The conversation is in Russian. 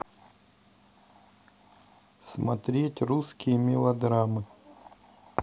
смотреть русские мелодрамы